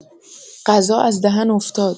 غذا از دهن افتاد.